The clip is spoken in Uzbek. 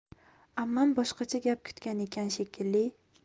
ammam boshqacha gap kutgan ekan shekilli